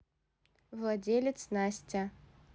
владелец настя